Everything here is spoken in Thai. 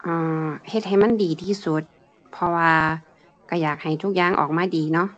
เอ่อ เฮ็ดให้มันดีที่สุด เพราะว่า ก็อยากให้ทุกอย่างออกมาดีเนาะ